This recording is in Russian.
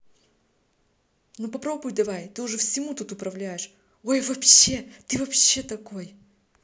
ну попробуй давай ты уже всему тут управляешь ой вообще ты вообще такой